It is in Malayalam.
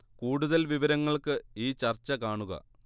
കൂടുതൽ വിവരങ്ങൾക്ക് ഈ ചർച്ച കാണുക